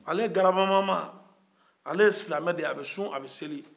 ale garabamama ye silamɛ de ye a bɛ seli a bɛ sun